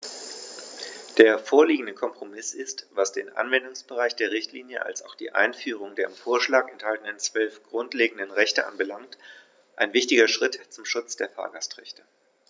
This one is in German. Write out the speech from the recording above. Der vorliegende Kompromiss ist, was den Anwendungsbereich der Richtlinie als auch die Einführung der im Vorschlag enthaltenen 12 grundlegenden Rechte anbelangt, ein wichtiger Schritt zum Schutz der Fahrgastrechte.